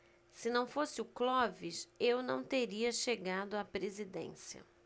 se não fosse o clóvis eu não teria chegado à presidência